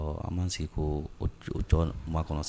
Ɔ an b'an sigi k'o tɔ makɔnɔ